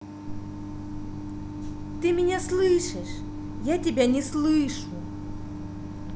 ты меня слышишь я тебя не слышу